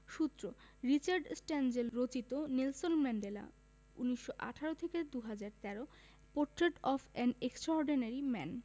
সূত্র Richard Stengel রচিত Nelson Mandela ১৯১৮ ২০১৩ portrait of an extraordinary man